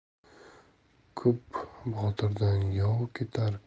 ko'p botirdan yov ketar